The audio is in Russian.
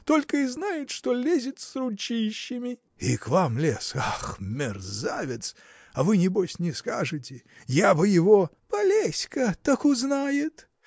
только и знает, что лезет с ручищами. – И к вам лез? Ах, мерзавец! А вы, небось, не скажете! Я бы его. – Полезь-ка, так узнает!